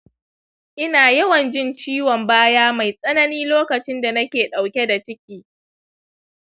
ina yawanjin ciwon baya mai tsanani lokacinda nake dauke da ciki